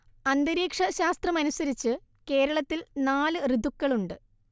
അന്തരീക്ഷ ശാസ്ത്രമനുസരിച്ച് കേരളത്തിൽ നാല് ഋതുക്കളുണ്ട്